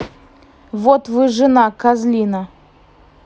вот вы жена козлина